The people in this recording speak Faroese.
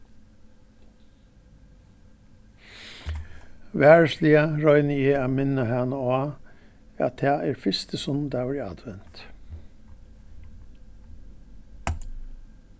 varisliga royni eg at minna hana á at tað er fyrsti sunnudagur í advent